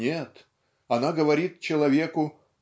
нет, она говорит человеку